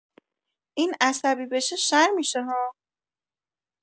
این عصبی بشه، شر میشه‌ها!